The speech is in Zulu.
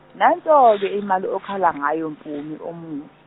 nanso ke imali okhala ngayo Mpumi omu-.